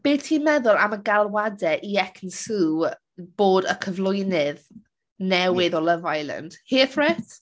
Be ti'n meddwl am y galwadau i Ekin Su bod y cyflwynydd newydd o Love Island? Here for it?